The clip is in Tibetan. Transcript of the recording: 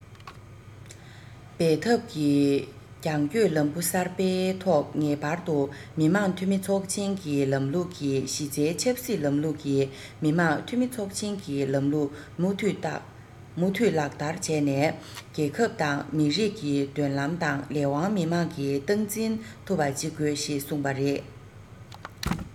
འབད འཐབ ཀྱི རྒྱང སྐྱོད ལམ བུ གསར པའི ཐོག ངེས པར དུ མི དམངས འཐུས མི ཚོགས ཆེན གྱི ལམ ལུགས ཀྱི གཞི རྩའི ཆབ སྲིད ལམ ལུགས ཀྱི མི དམངས འཐུས མི ཚོགས ཆེན གྱི ལམ ལུགས མུ མཐུད ལག བསྟར བྱས ནས རྒྱལ ཁབ དང མི རིགས ཀྱི མདུན ལམ དང ལས དབང མི དམངས ཀྱིས སྟངས འཛིན ཐུབ པ བྱེད དགོས ཞེས གསུངས པ རེད